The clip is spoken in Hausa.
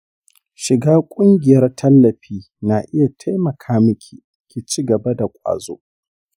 shiga ƙungiyar tallafi na iya taimaka miki ki ci gaba da ƙwazo.